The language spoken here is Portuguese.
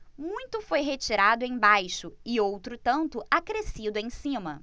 muito foi retirado embaixo e outro tanto acrescido em cima